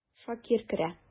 Шакир керә.